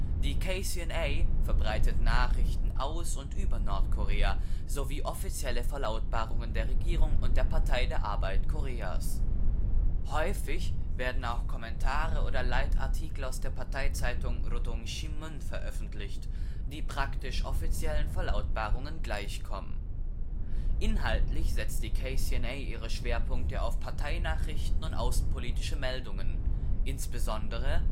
Die KCNA verbreitet Nachrichten aus und über Nordkorea sowie offizielle Verlautbarungen der Regierung und der Partei der Arbeit Koreas. Häufig werden auch Kommentare oder Leitartikel aus der Parteizeitung Rodong Sinmun veröffentlicht, die praktisch offiziellen Verlautbarungen gleichkommen. Inhaltlich setzt die KCNA ihre Schwerpunkte auf Parteinachrichten und außenpolitische Meldungen, insbesondere